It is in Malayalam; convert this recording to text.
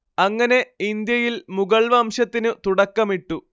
അങ്ങനെ ഇന്ത്യയിൽ മുഗൾവംശത്തിനു തുടക്കമിട്ടു